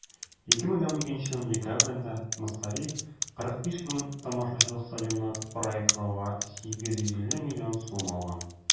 2012 елның декабрендә "мостовик" 45 мең тамашачылык стадионны проектлауга 850 миллион сум алган.